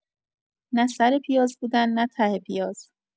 نه سر پیاز بودن نه ته پیاز